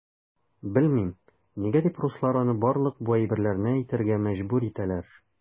Белмим, нигә дип руслар аны барлык бу әйберләрне әйтергә мәҗбүр итәләр.